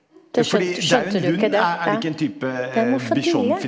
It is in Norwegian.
det skjønte du ikke det, ja det er en Moffedille.